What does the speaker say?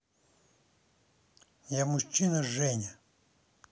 я мужчина женя